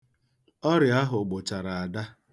Ọrịa ahụ gbụchara Ada.